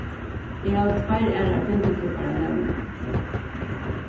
eg havi tveir aðrar bindiklubbar at nevna